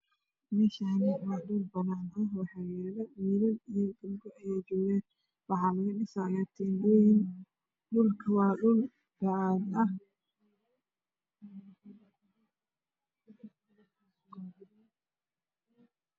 Meeshaan waa dhul banaan ah waxaa joogo wiilal iyo gabdho waxay dhisaayaan teendhooyin dhulkana waa bacaad.